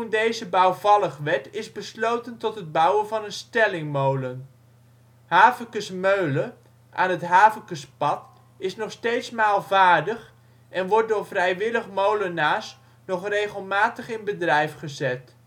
deze bouwvallig werd is besloten tot het bouwen van een stellingmolen. Havekes Mölle aan het Havekespad is nog steeds maalvaardig en wordt door vrijwillig molenaars nog regelmatig in bedrijf gezet